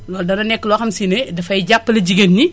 loolu dana nekk loo xam si ne dafay jàppale jigéen ñi